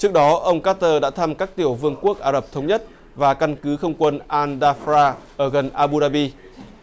trước đó ông các tơ đã thăm các tiểu vương quốc ả rập thống nhất và căn cứ không quân an đa ra ở gần a bu đa bi